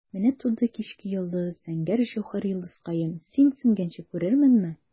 Менә туды кичке йолдыз, зәңгәр җәүһәр, йолдызкаем, син сүнгәнче күрерменме?